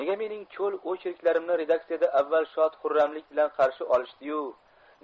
nega mening cho'l ocherklarimni redaktsiyada avval shod xurramlik bilan qarshi olishdi yu